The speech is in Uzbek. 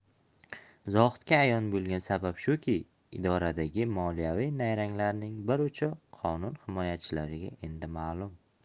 zohidga ayon bo'lgan sabab shuki idoradagi moliyaviy nayranglarning bir uchi qonun himoyachilariga endi ma'lum